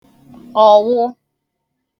ọ̀wụ